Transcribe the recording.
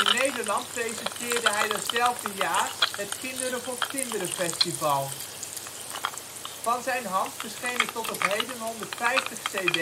Nederland presenteerde hij datzelfde jaar het Kinderen voor Kinderen Festival. Van zijn hand verschenen tot op heden 150 cd 's, 12